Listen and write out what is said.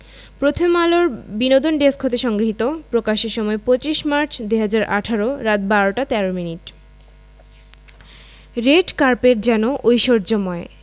প্রথমআলো এর বিনোদন ডেস্ক হতে সংগৃহীত প্রকাশের সময় ২৫মার্চ ২০১৮ রাত ১২ টা ১৩ মিনিট রেড কার্পেট যেন ঐশ্বর্যময়